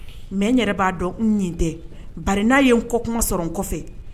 Mɛ n yɛrɛ b'a dɔn nin tɛ ba ye n kɔ kuma sɔrɔ n kɔfɛ